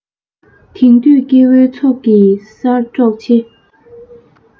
དེང དུས སྐྱེ བོའི ཚོགས ནི གསར འགྲོགས ཆེ